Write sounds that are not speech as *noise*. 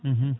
*hesitation* *hesitation*